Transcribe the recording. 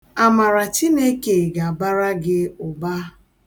Amara Chineke ga-abara gị ụba.